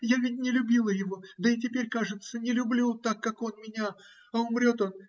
Я ведь не любила его, да и теперь, кажется, не люблю так, как он меня, а умрет он